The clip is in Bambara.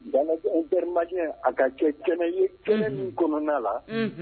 Dans la vie inter malienne a ka kɛ kɛnɛ ye kɛmɛ min kɔnɔna la